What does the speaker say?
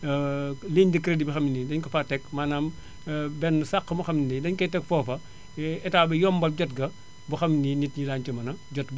ligne de crédit boo xam ne nii dañu ko faa teg maanaam benn sàq moo xam ne dañu koy teg foofa Etat bi yombal jot ga boo xam ne nii nit ñi daañu ca mën a jot